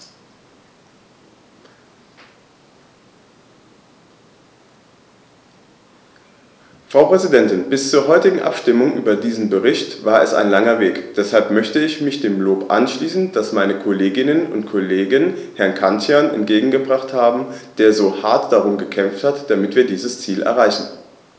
Frau Präsidentin, bis zur heutigen Abstimmung über diesen Bericht war es ein langer Weg, deshalb möchte ich mich dem Lob anschließen, das meine Kolleginnen und Kollegen Herrn Cancian entgegengebracht haben, der so hart darum gekämpft hat, damit wir dieses Ziel erreichen.